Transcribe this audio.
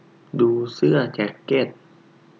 ดูเสื้อแจ็คเก็ต